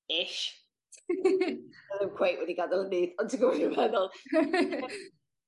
ish ma' nw'm cweit wedi gadel y nyth on' ti'n gwbo be' dwi meddwl.